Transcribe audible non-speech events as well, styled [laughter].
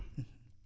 [hesitation] [hesitation]